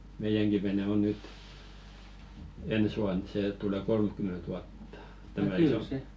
meidänkin vene on nyt ensi vuonna se tulee kolmekymmentä vuotta tämä iso